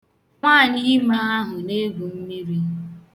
Nwaanyịime ahụ na-egwù mmiri